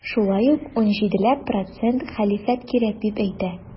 Шулай ук 17 ләп процент хәлифәт кирәк дип әйтә.